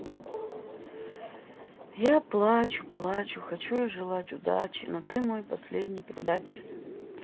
я плачу плачу хочу желать удачи но ты мой последний предатель